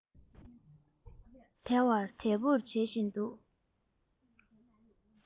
དལ བ དལ བུར འབྱིད བཞིན འདུག